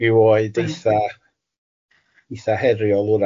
Ryw oed eitha eitha heriol wrach hefyd ia?